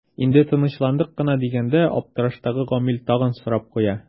Инде тынычландык кына дигәндә аптыраштагы Гамил тагын сорап куя.